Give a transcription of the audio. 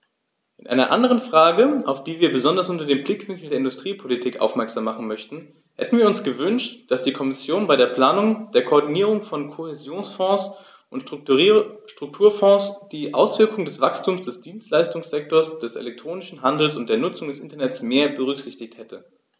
In einer anderen Frage, auf die wir besonders unter dem Blickwinkel der Industriepolitik aufmerksam machen möchten, hätten wir uns gewünscht, dass die Kommission bei der Planung der Koordinierung von Kohäsionsfonds und Strukturfonds die Auswirkungen des Wachstums des Dienstleistungssektors, des elektronischen Handels und der Nutzung des Internets mehr berücksichtigt hätte.